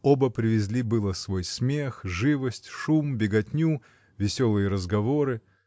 Оба привезли было свой смех, живость, шум, беготню, веселые разговоры.